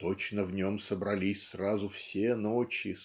"точно в нем собрались сразу все ночи